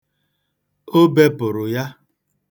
O bepụrụ ya.